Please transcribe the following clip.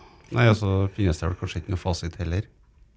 nei også finnes det vel kanskje ikke noe fasit heller?